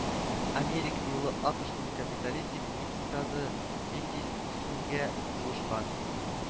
Америка юлы АКэШның капиталистик икътисады бик тиз үсүгә булышкан